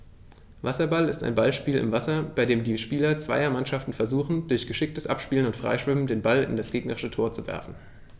Wasserball ist ein Ballspiel im Wasser, bei dem die Spieler zweier Mannschaften versuchen, durch geschicktes Abspielen und Freischwimmen den Ball in das gegnerische Tor zu werfen.